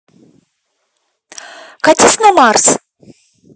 катись на марс